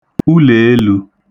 ulèelū